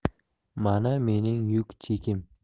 mana mening yuk chekim